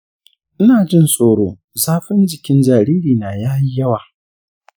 ina jin tsoro zafin jikin jaririna ya yi yawa.